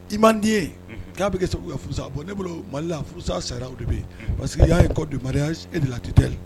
I man diɲe di k'a bɛ kɛ Segu yan fusa, bɔ ne bolo Mali lan yan, furu sa sariaw o de bɛ yen parce que il y'a un code de mariage et de la tuelle